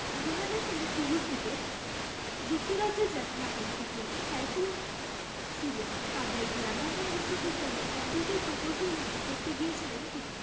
২০০০ সালের শুরু দিকে যুক্তরাজ্যে যান বাংলাদেশি তরুণ সাইফুল সুজন সাবেক গ্লামারগন বিশ্ববিদ্যালয়ে কম্পিউটার প্রকৌশল নিয়ে পড়তে গিয়েছিলেন তিনি